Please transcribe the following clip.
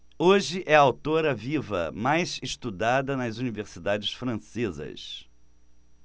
hoje é a autora viva mais estudada nas universidades francesas